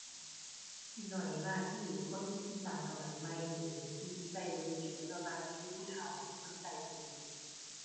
น้อยมากที่คนอีสานสมัยใหม่นี้ ที่สิใช้มือกินเดะ ส่วนมากสิมีแต่ผู้เฒ่าที่เพิ่นใช้กิน